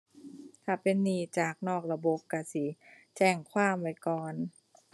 ถ้าเป็นหนี้จากนอกระบบ ก็สิแจ้งความไว้ก่อน